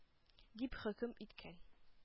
— дип хөкем иткән.